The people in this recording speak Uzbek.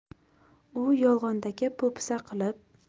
u yolg'ondaka po'pisa qilib